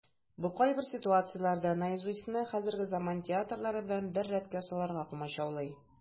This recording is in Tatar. Бу кайбер ситуацияләрдә "Наизусть"ны хәзерге заман театрылары белән бер рәткә салырга комачаулый.